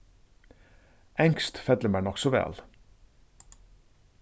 enskt fellur mær nokk so væl